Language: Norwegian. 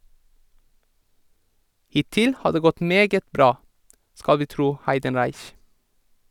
Hittil har det gått meget bra, skal vi tro Heidenreich.